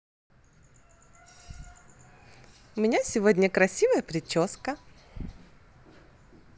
у меня сегодня красивая прическа